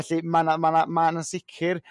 Felly ma' 'na ma' 'na ma' na'n sicr